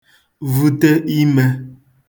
vute imē